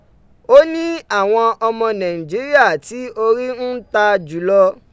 O ni awọn ọmọ Naijiria ti ori n ta julọ.